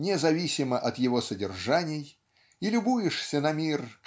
независимо от его содержаний и любуешься на мир